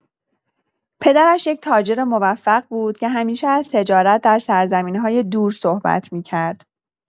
پدرش یک تاجر موفق بود که همیشه از تجارت در سرزمین‌های دور صحبت می‌کرد.